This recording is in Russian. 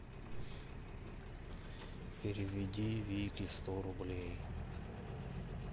переведи вике сто рублей